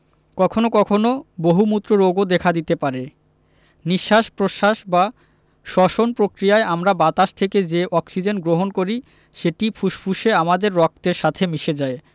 কখনো কখনো বহুমূত্র রোগও দেখা দিতে পারে নিঃশ্বাস প্রশ্বাস বা শ্বসন প্রক্রিয়ায় আমরা বাতাস থেকে যে অক্সিজেন গ্রহণ করি সেটি ফুসফুসে আমাদের রক্তের সাথে মিশে যায়